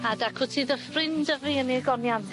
A dacw ti Dyffryn Dyfi yn ei ogoniant...